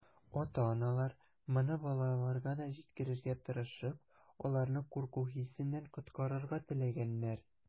Ата-аналар, моны балаларга да җиткерергә тырышып, аларны курку хисеннән коткарырга теләгәннәр.